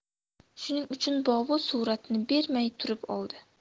shuning uchun bobur suratni bermay turib oldi